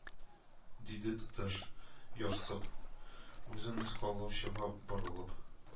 Диде тотыш, ярсып, үзен мыскыллаучыга борылып